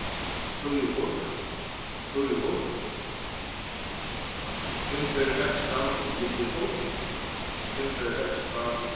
trýogfýrs trýogfýrs fimm ferðir sekstan ligvið fýrs fimm ferðir sekstan